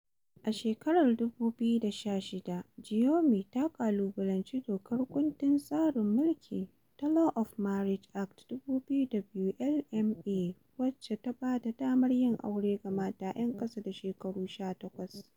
A shekarar 2016, Gyumi ta ƙalubalanci dokar kundin tsarin mulki ta Law of Marriage Act. 2002 (LMA) wacce ta ba da damar yin aure ga mata 'yan ƙasa da shekaru 18.